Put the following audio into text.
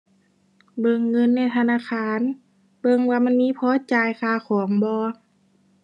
เบิ่งเงินในธนาคาร เบิ่งว่ามันมีพอจ่ายค่าของบ่